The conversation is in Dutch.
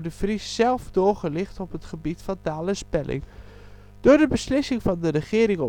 Vries zelf doorgelicht op het gebied van taal en spelling. Door de beslissing van de regering